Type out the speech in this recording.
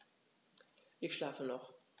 Ich schlafe noch.